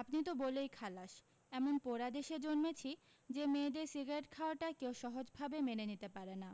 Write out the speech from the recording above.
আপনি তো বলেই খালাস এমন পোড়া দেশে জন্মেছি যে মেয়েদের সিগারেট খাওয়াটা কেউ সহজভাবে মেনে নিতে পারে না